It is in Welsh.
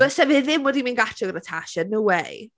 Byse fe ddim wedi mynd gatre gyda Tasha, no way.